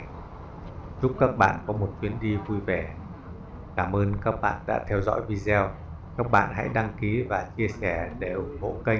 chúc các bạn có chuyển du lịch vui vẻ cảm ơn các bạn đã xem video các bạn hãy đăng ký và chia sẻ để ủng hộ kênh